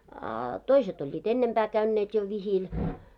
a toiset olivat ennempää käyneet jo vihillä